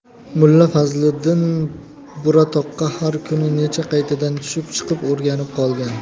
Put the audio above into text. mulla fazliddin buratoqqa har kuni necha qaytadan tushib chiqib o'rganib qolgan